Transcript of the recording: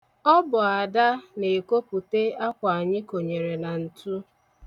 Ọ bụ Ada na-ekopute akwa anyị konyere na ntu.